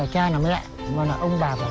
là cha rẹ mà là ông bà